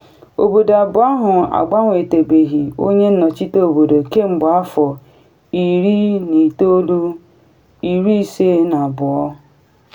Obodo abụọ ahụ agbanwetabeghị onye nnọchite obodo kemgbe 1962.